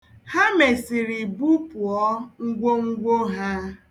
Ha mesịrị bupụọ ngwongwo ha.